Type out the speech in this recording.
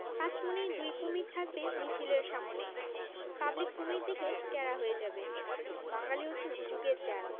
পাঁচমণি দুই কুমীর থাকবে মিছিলের সামনে পাবলিক কুমীর দেখে ট্যারা হয়ে যাবে বাঙ্গালী হচ্ছে হুজুগের জাত